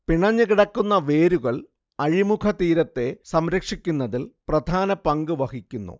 പിണഞ്ഞുകിടക്കുന്ന വേരുകൾ അഴിമുഖ തീരത്തെ സംരക്ഷിക്കുന്നതിൽ പ്രധാനപങ്ക് വഹിക്കുന്നു